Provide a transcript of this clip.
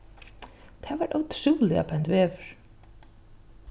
tað var ótrúliga pent veður